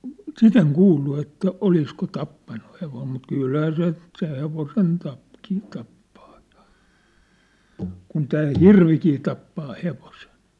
sitä en kuullut että olisiko tappanut hevosen mutta kyllähän se se hevosen -- tappaa ja kun tämä hirvikin tappaa hevosen